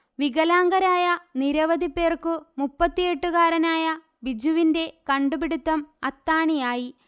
വികലാംഗരായ നിരവധി പേർക്കു മുപ്പത്തെട്ടുകാരനായ ബിജുവിന്റെ കണ്ടുപിടുത്തം അത്താണിയായി